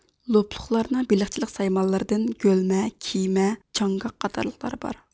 لوپلۇقلارنىڭ بېلىقچىلىق سايمانلىرىدىن گۆلمە كېمە چاڭگاق قاتارلىقلار بار